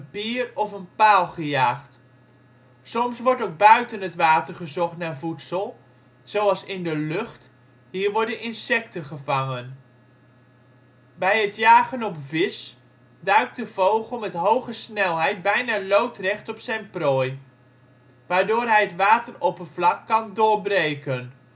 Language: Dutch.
pier of een paal gejaagd. Soms wordt ook buiten het water gezocht naar voedsel, zoals in de lucht, hier worden insecten gevangen. Bij het jagen op vis duikt de vogel met hoge snelheid bijna loodrecht op zijn prooi, waardoor hij het wateroppervlak kan doorbreken